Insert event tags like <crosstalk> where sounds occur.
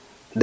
<hesitation> <hesitation>